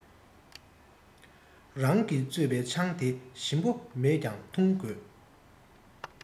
རང གིས བཙོས པའི ཆང དེ ཞིམ པོ མེད ཀྱང འཐུང དགོས